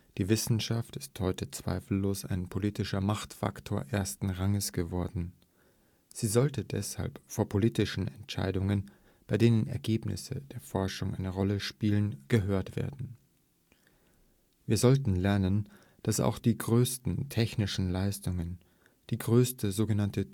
Die Wissenschaft ist heute zweifellos ein politischer Machtfaktor ersten Ranges geworden. Sie sollte deshalb vor politischen Entscheidungen, bei denen Ergebnisse der Forschung eine Rolle spielen, gehört werden. Wir sollten lernen, dass auch die größten technischen Leistungen, die größte sogenannte